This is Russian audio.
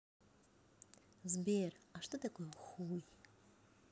сбер а что такое хуй